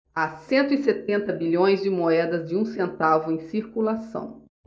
há cento e setenta bilhões de moedas de um centavo em circulação